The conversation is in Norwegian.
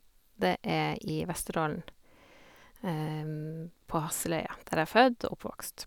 Det er i Vesterålen, på Hasseløya, der jeg er født og oppvokst.